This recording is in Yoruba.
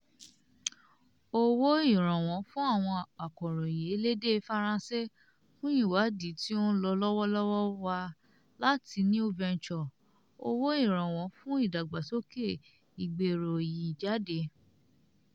Owó ìrànwọ́ fún àwọn akọ̀ròyìn elédè Faransé fún ìwádìí tí ó ń lọ lọ́wọ́lọ́wọ́ wá láti New Venture, owó ìrànwọ́ fún ìdàgbàsókè ìgbéròyìnjáde.